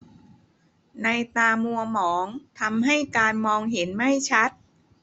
นัยน์ตามัวหมองทำให้การมองเห็นไม่ชัด